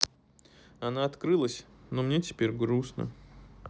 она открылась но мне теперь грустно